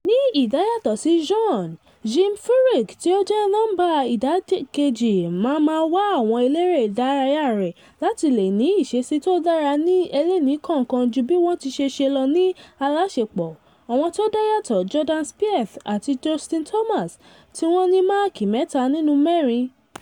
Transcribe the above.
Ní ìdàyàtọ̀ sí Bjorn, opposite number Jim Furyk tí ó jẹ́ nọ́ńbà ìdàkejì máa ma wá àwọn eléré ìdárayá rẹ̀ láti le ní ìṣesí tó dára ní ẹlẹ́nìkọ̀ọ̀kan ju bí wọ́n ṣe ṣe lọ ní aláṣepọ̀, àwọn tó dáyàtọ̀ Jordan Spieth àti Justin Thomas, tí wọ́n ní máàkì mẹ́ta nínú mẹ́rin